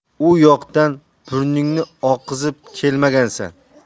u yoqdan burningni oqizib kelmagansan